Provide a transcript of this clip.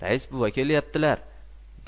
rais buva kelyaptilar